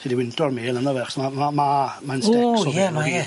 Alli di wynto'r mêl ynddo fe achos ma' ma' ma' ma'n stecs... O ie mae e.